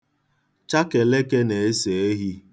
Chakeleke na-eso ehi.